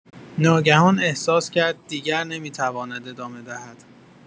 ناگهان احساس کرد دیگر نمی‌تواند ادامه دهد.